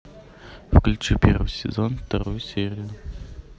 включи первый сезон вторую серию